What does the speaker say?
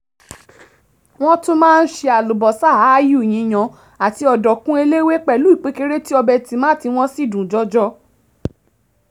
Wọ́n tún máa ń se àlùbọ́sà aáyù yíyan àti ọ̀dùnkún eléwé, pẹ̀lú ìpékeré tí ọbẹ̀ tìmáàtì wọn sì dùn jọjọ.